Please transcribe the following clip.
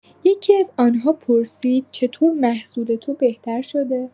یکی‌از آن‌ها پرسید: «چطور محصول تو بهتر شده؟»